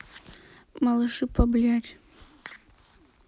малыши по блядь